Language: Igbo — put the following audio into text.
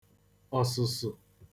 ọ̀sụ̀sụ̀